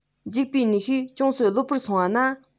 འཇིག པའི ནུས ཤུགས ཅུང ཙམ ལྷོད པོར སོང བ ན